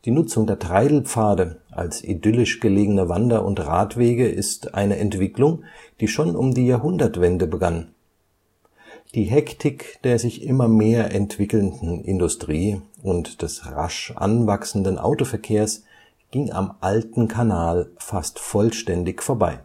Nutzung der Treidelpfade als idyllisch gelegene Wander - und Radwege ist eine Entwicklung, die schon um die Jahrhundertwende begann. Die Hektik der sich immer mehr entwickelnden Industrie und des rasch anwachsenden Autoverkehrs ging am alten Kanal fast vollständig vorbei